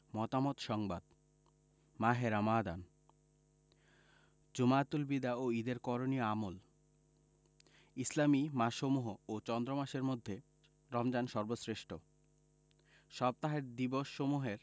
মতামত সংবাদ মাহে রমাদান জুমাতুল বিদা ও ঈদের করণীয় আমল ইসলামি মাসসমূহ ও চন্দ্রমাসের মধ্যে রমজান সর্বশ্রেষ্ঠ সপ্তাহের দিবসসমূহের